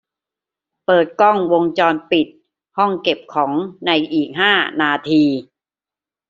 เปิดกล้องวงจรปิดห้องเก็บของในอีกห้านาที